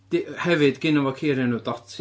di- hefyd, gynno fo ci o'r enw Dotty.